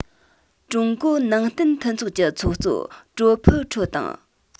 ཀྲུང གོ ནང བསྟན མཐུན ཚོགས ཀྱི ཚོགས གཙོ ཀྲའོ ཕུ ཁྲོ དང